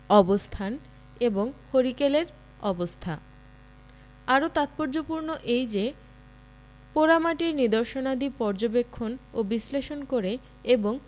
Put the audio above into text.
অবস্থান এবং হরিকেলের অবস্থা আরও তাৎপর্যপূর্ণ এই যে পোড়ামাটির নিদর্শনাদি পর্যবেক্ষণ ও বিশ্লেষণ করে এবং